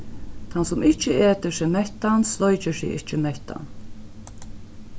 tann sum ikki etur seg mettan sleikir seg ikki mettan